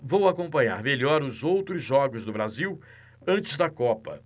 vou acompanhar melhor os outros jogos do brasil antes da copa